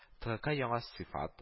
ТК – яңа сыйфат